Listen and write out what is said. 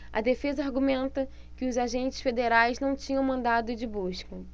a defesa argumenta que os agentes federais não tinham mandado de busca